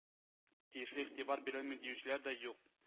Тиешле игътибар бирелми диючеләр дә юк